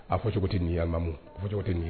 A fɔ cogo tɛ nin ye alimamu, a fɔ cogo tɛ nin ye.